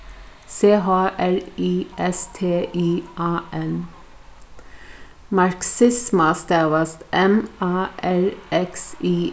c h r i s t i a n marxisma stavast m a r x i